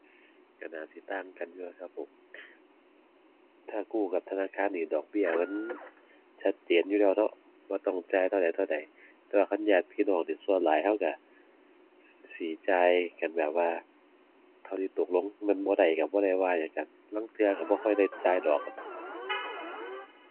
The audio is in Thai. ก็น่าสิต่างกันอยู่ล่ะครับผม ถ้ากู้กับธนาคารนี่ ดอกเบี้ยมันชัดเจนอยู่แล้วเนาะ ว่าต้องจ่ายเท่า เท่าใด แต่ว่าคันญาติพี่น้องนี่ ส่วนหลายก็ก็สิจ่ายกันแบบว่าเท่าที่ตกลง มันบ่ได้ก็บ่ได้ว่าหยังกัน ลางเทื่อก็บ่ได้จ่ายดอกกันดอก